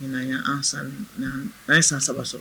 'an san' ye san saba sɔrɔ